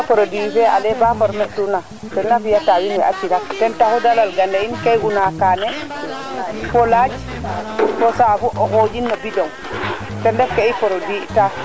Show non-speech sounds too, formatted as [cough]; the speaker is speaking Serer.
aca a fifa ngan bo ndiik rek i ndef meeke no 102 point 5 rek soɓindo xa ando naye tena leyel Waly Sagne mene kamo Ndangoja te ref o maako paax aussi fogum i [unintelligible] parce que ne i nan tan no radio le rek